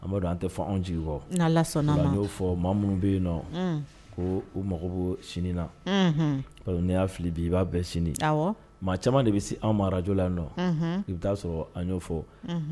Amadu an tɛ fɔ anw jigi kɔ nlasa n'a y'o fɔ maa minnu bɛ yen nɔ ko u mago sinina ne y'a fili bi i b'a bɛɛ sini maa caman de bɛ se anw marajla nɔ i bɛ taaa sɔrɔ an y'o fɔ